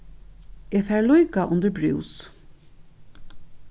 eg fari líka undir brús